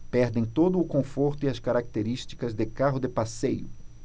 perdem todo o conforto e as características de carro de passeio